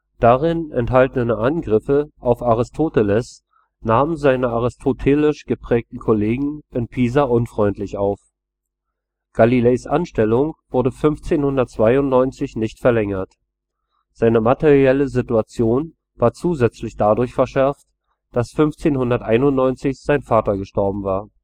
Darin enthaltene Angriffe auf Aristoteles nahmen seine aristotelisch geprägten Kollegen in Pisa unfreundlich auf. Galileis Anstellung wurde 1592 nicht verlängert. Seine materielle Situation war zusätzlich dadurch verschärft, dass 1591 sein Vater gestorben war